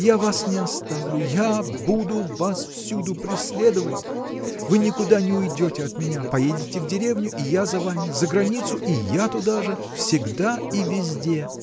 я вас не оставлю: я буду вас всюду преследовать. Вы никуда не уйдете от меня поедете в деревню – и я за вами за границу – и я туда же всегда и везде.